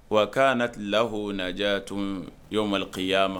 Wa' na tilela fo naaja tun yɔrɔ malo keya ma